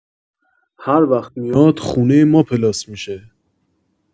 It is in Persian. هر وقت میاد خونه ما پلاس می‌شه